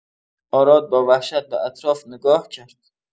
آراد با وحشت به اطراف نگاه کرد.